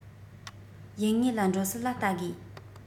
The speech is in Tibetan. ཡུལ དངོས ལ འགྲོ སྲིད ལ བལྟ དགོས